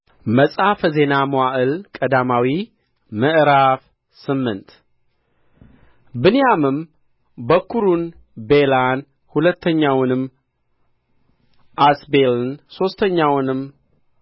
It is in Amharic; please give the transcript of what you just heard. መጽሐፈ ዜና መዋዕል ቀዳማዊ ምዕራፍ ስምንት ብንያምም በኵሩን ቤላን ሁለተኛውንም አስቤልን ሦስተኛውንም